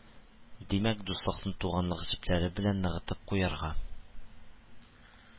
Димәк, дуслыкны туганлык җепләре белән ныгытып куярга